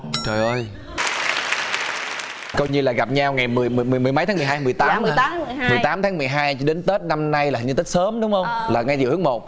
trời ơi coi như là gặp nhau ngày mười mười mười mấy tháng mười hai mười tám tháng tám tháng mười hai đến tết năm nay là hình như tết sớm đúng hông là ngay giữa tháng một